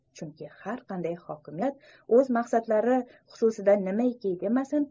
chunki har qanday hokimiyat o'z maqsadlari xususida nimaiki demasin